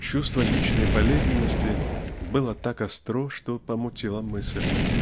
Чувство личной болезненности было так остро, что помутило мысль.